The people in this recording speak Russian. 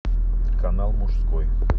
канал мужской